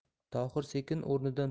tohir sekin o'rnidan